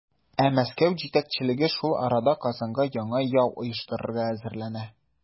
Ә Мәскәү җитәкчелеге шул арада Казанга яңа яу оештырырга әзерләнә.